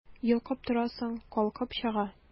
Йолкып торасың, калкып чыга...